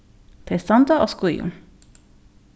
tey standa á skíðum